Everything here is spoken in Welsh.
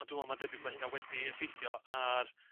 a dwi me'l ma'n debyg bo' hyna wedi effeithio ar